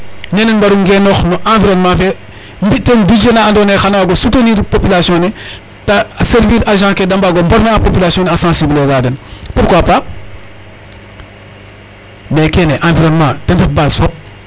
Neene nu mbaru ngeenoor no enrironnement fe mbi' teen vision na andoona yee xan a waag o soutenir population ne ta servir agent ke da mbaag o former a population ne a sensibliser a den pourquoi pas mais kene environnement ten ref base fop .